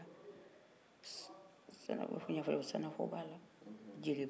senafɔ fana filɛ senafɔ b'a la jeli b'a la maninka b'a la